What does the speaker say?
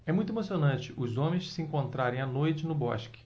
é muito emocionante os homens se encontrarem à noite no bosque